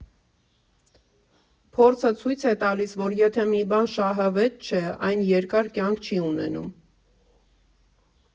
Փորձը ցույց է տալիս, որ եթե մի բան շահավետ չէ, այն երկար կյանք չի ունենում։